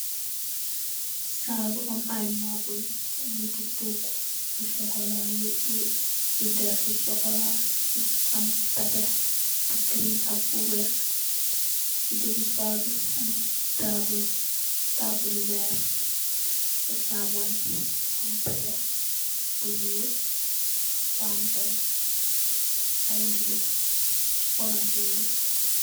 Saal bu am aiiy meuble, njehti tohgu yu chocolat yu, yu, yu dehrrre yu chocolat, chi am tapet bu girin ak bu wekh chi digi saal bii, am taabul, taabul wehrre, chi sa chaamongh am tele bu njull ak staanu tele, aiiy ridoh chi palanterre yii.